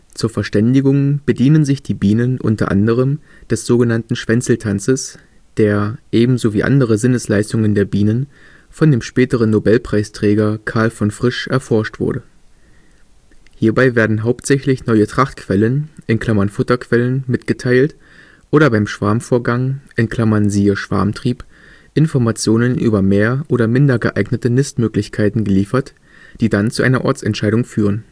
Zur Verständigung bedienen sich die Bienen unter anderem des so genannten Schwänzeltanzes, der – ebenso wie andere Sinnesleistungen der Bienen – von dem späteren Nobelpreisträger Karl von Frisch erforscht wurde. Hierbei werden hauptsächlich neue Trachtquellen (Futterquellen) mitgeteilt, oder beim Schwarmvorgang (siehe Schwarmtrieb) Informationen über mehr oder minder geeignete Nistmöglichkeiten geliefert, die dann zu einer Ortsentscheidung führen